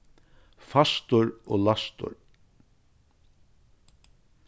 fastur og læstur